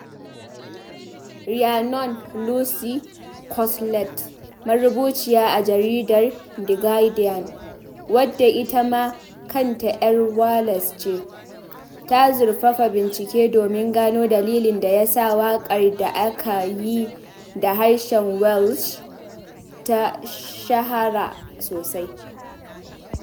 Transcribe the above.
Rhiannon Lucy Cosslett, marubuciya a jaridar The Guardian wadda ita ma kanta ƴar Wales ce, ta zurfafa bincike domin gano dalilin da ya sa waƙar da aka yi da harshen Welsh ta shahara sosai.